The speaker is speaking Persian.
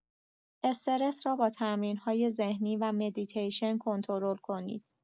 استرس را با تمرین‌های ذهنی و مدیتیشن کنترل کنید.